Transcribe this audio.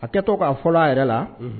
A kɛ to' a fɔ a yɛrɛ la